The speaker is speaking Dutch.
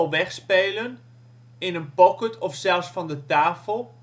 wegspelen (in een pocket of zelfs van de tafel